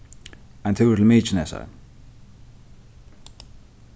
ein túrur til mykinesar